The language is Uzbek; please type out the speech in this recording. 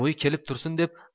bo'yi kelib tursin deb